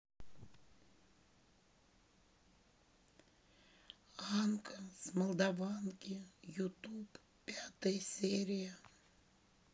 анка с молдаванки ютуб пятая серия